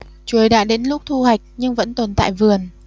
chuối đã đến lúc thu hoạch nhưng vẫn tồn tại vườn